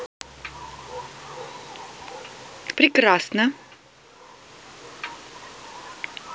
прекрасно